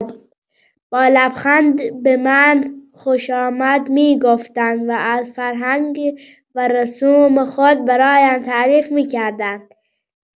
با لبخند به من خوشامد می‌گفتند و از فرهنگ و رسوم خود برایم تعریف می‌کردند.